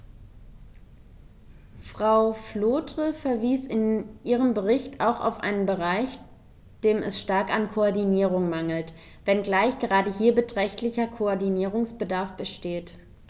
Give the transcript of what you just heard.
Frau Flautre verwies in ihrem Bericht auch auf einen Bereich, dem es stark an Koordinierung mangelt, wenngleich gerade hier beträchtlicher Koordinierungsbedarf besteht.